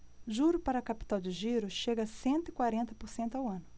juro para capital de giro chega a cento e quarenta por cento ao ano